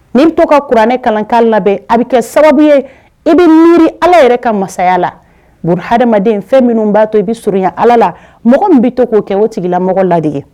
N' to ka kuranɛ kalankan labɛn a bɛ kɛ sababu ye i bɛ miiri ala yɛrɛ ka masaya la buru ha adamadamaden fɛn minnu b'a to i bɛ surun ɲɛ ala la mɔgɔ min bɛ to k'o kɛ o tigila mɔgɔ lade